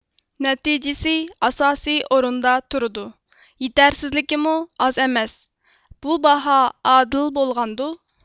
نەتىجىسى ئاساسىي ئورۇندا تۇرىدۇ يېتەرسىزلىكىمۇ ئاز ئەمەس بۇ باھا ئادىل بولغاندۇ